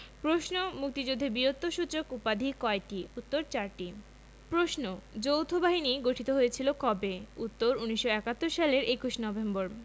প্রশ্ন মুক্তিযুদ্ধে বীরত্বসূচক উপাধি কয়টি উত্তর চারটি প্রশ্ন যৌথবাহিনী গঠিত হয়েছিল কবে উত্তর ১৯৭১ সালের ২১ নভেম্বর